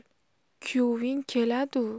kuyoving keladu